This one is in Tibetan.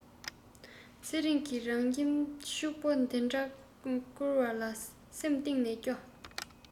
ཚེ རིང གི རང ཁྱིམ ཕྱུག པོ འདི འདྲ བསྐུར བ ལ སེམས གཏིང ནས སྐྱོ